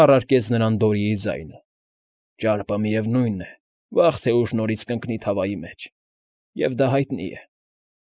Առարկեց նրան Դորիի ձայնը։֊ Ճարպը, միևնույն է, վաղ թե ուշ նորից կընկնի թավայի մեջ, և դա հայտնի է։